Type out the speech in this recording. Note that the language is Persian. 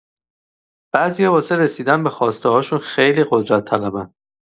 بعضیا واسه رسیدن به خواسته‌هاشون خیلی قدرت‌طلبن.